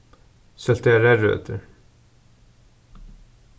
súltaðar reyðrøtur